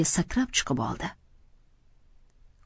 chiqib oldi